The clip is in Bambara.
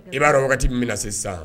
I b'a dɔn wagati minɛ sisan sisan